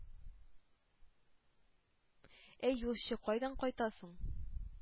— әй, юлчы, кайдан кайтасың?